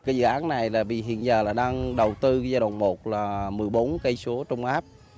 kí dự án này là bì hiện giờ là đang đầu tư giai đoạn một là mười bốn cây số trung áp